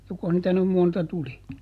jokos niitä nyt monta tuli